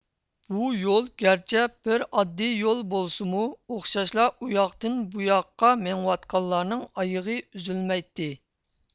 بۇ يول گەرچە بىر ئاددىي يول بولسىمۇ ئوخشاشلا ئۇياقتىن بۇ ياققا مېڭىۋاتقانلارنىڭ ئايىغى ئۈزۈلمەيتتى